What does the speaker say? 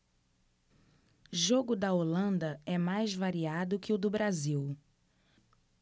jogo da holanda é mais variado que o do brasil